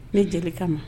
Ne jerika ma